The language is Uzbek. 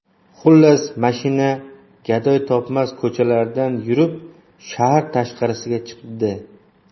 xullas mashina gadoy topmas ko'chalardan yurib shahar tashqarisiga chiqibdi